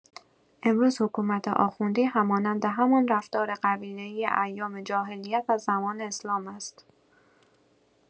امروز حکومت آخوندی همانند همان رفتار قبیله‌ای ایام جاهلیت و زمان اسلام است.